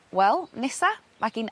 wel nesa ma' gin...